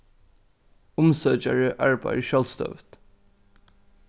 umsøkjari arbeiðir sjálvstøðugt